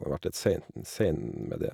Har vært litt seint sein med det.